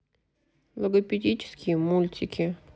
логопедические мультики